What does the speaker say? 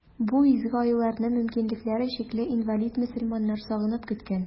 Бу изге айларны мөмкинлекләре чикле, инвалид мөселманнар сагынып көткән.